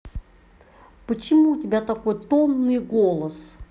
почему у тебя такой томный голос